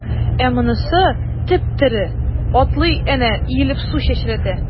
Ә монысы— теп-тере, атлый әнә, иелеп су чәчрәтә.